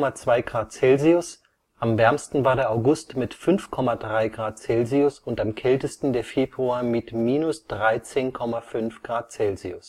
−4,2 °C, am wärmsten war der August mit 5,3 °C und am kältesten der Februar mit −13,5 °C